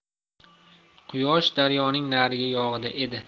quyosh daryoning narigi yog'ida edi